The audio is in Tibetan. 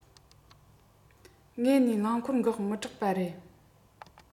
དངོས ནས རླངས འཁོར འགག མི སྐྲག པ རེད